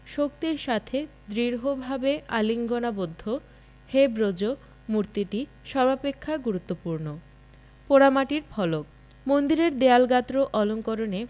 শক্তির সাথে দৃঢ়ভাবে আলিঙ্গনাবদ্ধ হেবজ্র মূর্তিটি সর্বাপেক্ষা গুরুত্বপূর্ণ পোড়ামাটির ফলক মন্দিরের দেয়ালগাত্র অলঙ্করণে